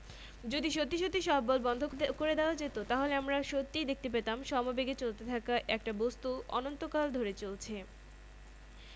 আমরা এখন পর্যন্ত ভর নিয়ে একটি কথাও বলিনি কিন্তু কোনো কিছুর গতি সম্পর্কে জানতে চাইলে আমাদের সেটির ভর সম্পর্কে জানতে হয়